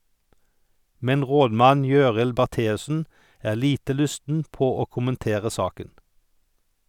Men rådmann Gøril Bertheussen er lite lysten på å kommentere saken.